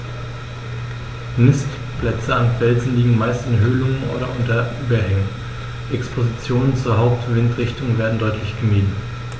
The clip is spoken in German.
Nistplätze an Felsen liegen meist in Höhlungen oder unter Überhängen, Expositionen zur Hauptwindrichtung werden deutlich gemieden.